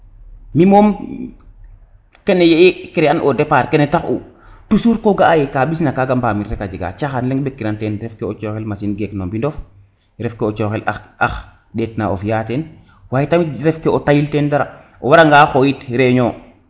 mi mom kene ye i créer an o depart kene tax u toujours ko ga aye ka mbis na kaga mbamir rek a jega caxan leng mbekiran ten ref ke coxel machine geek no mbinof ref ke o coxel ax ndeetv na o fiya ten waye tam ref tayil ten dara o wara nga xoyit reunion